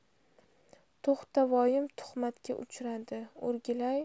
to'xtavoyim tuhmatga uchradi o'rgilay